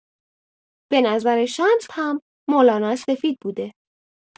به نظر شمس هم مولانا سفید بوده!